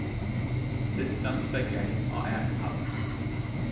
lyftan steðgaði á aðru hædd